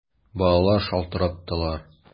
Балалар шалтыраттылар!